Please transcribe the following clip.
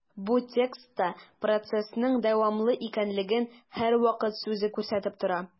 Бу текстта процессның дәвамлы икәнлеген «һәрвакыт» сүзе күрсәтеп тора.